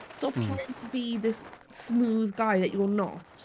Stop trying to be this smooth guy that you're not.